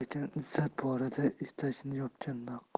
lekin izzat borida etakni yopgan ham maqul